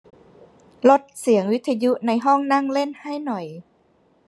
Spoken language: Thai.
ลดเสียงวิทยุในห้องนั่งเล่นให้หน่อย